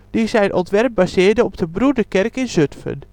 die zijn ontwerp baseerde op de Broederenkerk in Zutphen